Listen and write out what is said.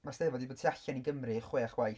Ma' 'Steddfod 'di bod tu allan i Gymru chwech gwaith.